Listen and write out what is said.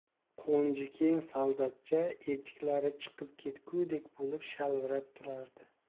qo'nji keng soldatcha etiklari chiqib ketgudek bo'lib shalvirab turardi